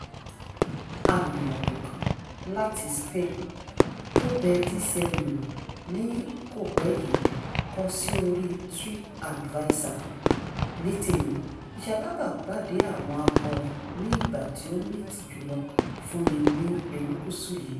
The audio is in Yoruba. Arìnrìn-àjò kan láti Spain, tó bẹ DCMA wò ní kò pẹ́ yìí, kọ sí oríi TripAdvisor: "Ní tèmi, ìṣalábàápàdée àwọn akọrin ni ìgbà tí ó meet jù lọ fún mi ní erékùṣù yìí".